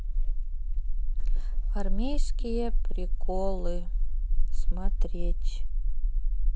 армейские приколы смотреть